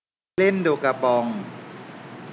เล่นโดกาปอง